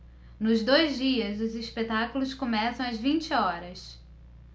nos dois dias os espetáculos começam às vinte horas